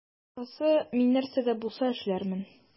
Кыскасы, мин нәрсә дә булса эшләрмен.